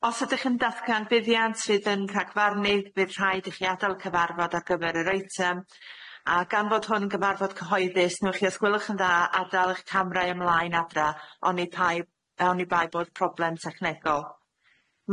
Os ydych yn datgan buddiant fydd yn rhagfarnu bydd rhaid i chi adael cyfarfod ar gyfer yr eitem a gan fod hwn yn gyfarfod cyhoeddus newch chi os gwelwch yn dda adal eich camra ymlaen adra oni bai oni bai bod problem technegol.